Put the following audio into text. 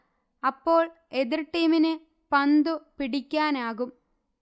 അപ്പോൾ എതിർ ടീമിന് പന്തു പിടിക്കാനാകും